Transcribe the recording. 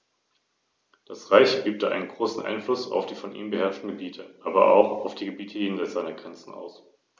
Ein Großteil des Parks steht auf Kalkboden, demnach dominiert in den meisten Gebieten kalkholde Flora.